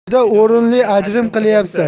juda o'rinli ajrim qilyapsan